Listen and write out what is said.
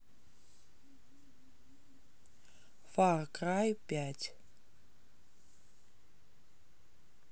far cry пять